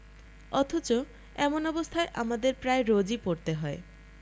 অথচ এমন অবস্থায় অমিদের প্রায় রোজই পড়তে হয়